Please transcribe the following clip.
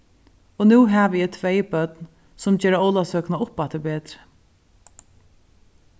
og nú havi eg tvey børn sum gera ólavsøkuna uppaftur betri